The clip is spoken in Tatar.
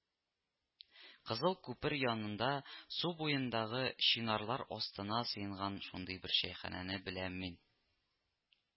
Кызыл күпер янында, су буендагы чинарлар астына сыенган шундый бер чәйханәне беләм мин